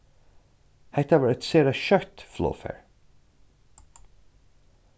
hetta var eitt sera skjótt flogfar